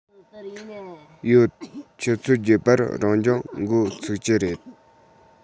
ཡོད ཆུ ཚོད བརྒྱད པར རང སྦྱོང འགོ ཚུགས ཀྱི རེད